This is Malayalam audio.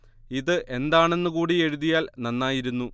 ഇത് എന്താണെന്ന് കൂടി എഴുതിയാൽ നന്നായിരുന്നു